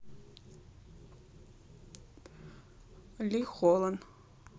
ли холлан